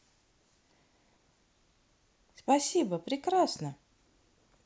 спасибо прекрасно